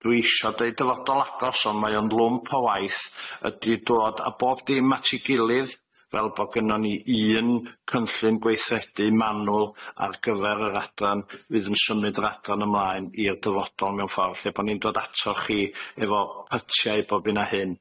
Dwi isio deud dyfodol agos ond mae o'n lwmp o waith, ydi dod a bob dim at 'i gilydd fel bo' gynnon ni un cynllun gweithredu manwl ar gyfer yr adran fydd yn symud yr adran ymlaen i'r dyfodol mewn ffor lle bo' ni'n dod atoch chi efo pytiau i bob hyn a hyn.